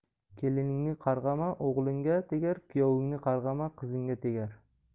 keliningni qarg'ama o'g'lingga tegar kuyovingni qarg'ama qizingga tegar